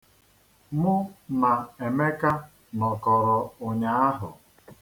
Mụ na Emeka nọkọṛọ ụnyaahụ.